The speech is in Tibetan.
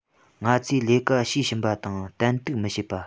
ང ཚོས ལས ཀ དཔྱིས ཕྱིན པ དང ཏན ཏིག མི བྱེད པ